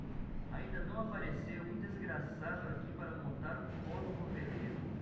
ainda não apareceu um desgraçado aqui para montar um pólo moveleiro